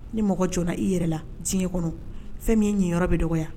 Ni mɔgɔ joona i yɛrɛ la diɲɛ kɔnɔ fɛn min ye ɲi yɔrɔ bɛ dɔgɔ